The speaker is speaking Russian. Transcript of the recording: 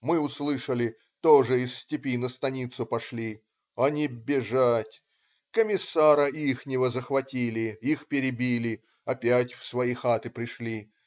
Мы услышали - тоже из степи на станицу пошли. Они бежать. Комиссара ихнего захватили. Их перебили. Опять в свои хаты пришли.